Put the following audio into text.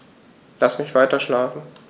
Lass mich weiterschlafen.